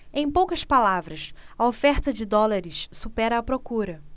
em poucas palavras a oferta de dólares supera a procura